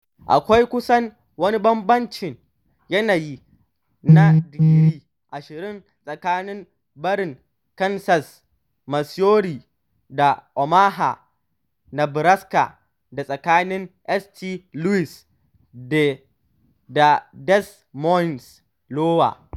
Akwai kusan wani bambancin yanayi na digiri 20 tsakanin Birnin Kansas, Missouri, da Omaha, Nebraska, da tsakanin St. Louis da Des Moines, Iowa.